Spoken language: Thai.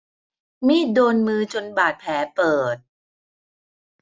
มีดโดนมือจนบาดแผลเปิด